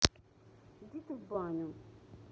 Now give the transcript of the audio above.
иди ты в баню